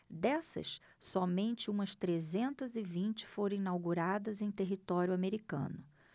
dessas somente umas trezentas e vinte foram inauguradas em território americano